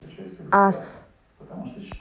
ас